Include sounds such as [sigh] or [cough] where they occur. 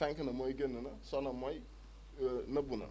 fenk na mooy génn na so na mooy [hesitation] nëbbu na